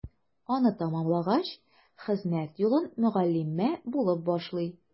Аны тәмамлагач, хезмәт юлын мөгаллимә булып башлый.